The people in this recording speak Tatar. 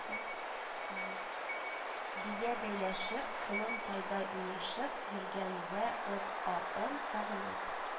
Бия бәйләшеп», «колын тайдай уйнашып» йөргән ва ыт а ын сагынып